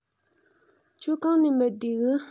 ཁྱོད གང ནས མི བདེ གི